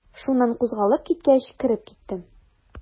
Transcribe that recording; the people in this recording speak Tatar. Шуннан кузгалып киткәч, кереп киттем.